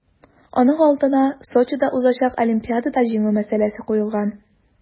Аның алдына Сочида узачак Олимпиадада җиңү мәсьәләсе куелган.